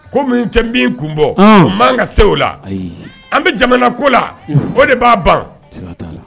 Ko minnu cɛ bɛ kun bɔ a man ka se u la an bɛ jamana ko la o de b'a ban